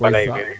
faley fee